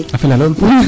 A fela lool?